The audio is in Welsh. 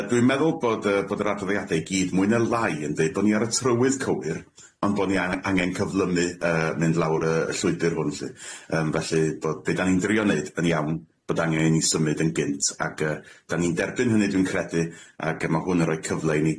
Yy dwi'n meddwl bod yy bod yr ardddiade i gyd mwy ne' lai yn deud o'n i ar y trywydd cywir, ond bo' ni an- angen cyflymu yy mynd lawr y y llwybyr hwn 'lly, yym felly bod be' 'dan ni'n drio neud yn iawn bod angen i ni symud yn gynt ag yy da ni'n derbyn hynny dwi'n credu ag yy ma' hwn yn roi cyfle i ni.